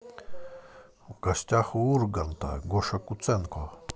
в гостях у урганта гоша куценко